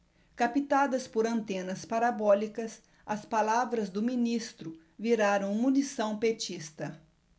captadas por antenas parabólicas as palavras do ministro viraram munição petista